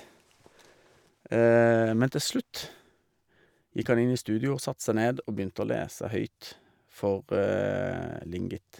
Men til slutt gikk han inn i studio og satte seg ned og begynte å lese høyt for Lingit.